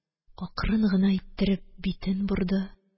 Акрын гына иттереп битен борды.